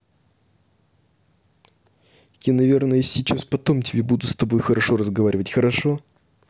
я наверное сейчас потом тебе буду с тобой разговаривать хорошо